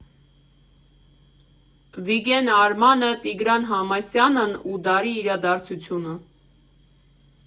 Վիգեն Արմանը, Տիգրան Համասյանն ու դարի իրադարձությունը։